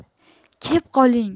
kep qoling